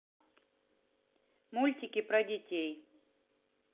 мультики про детей